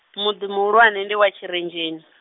muḓi muhulwane ndi wa Tshirenzheni.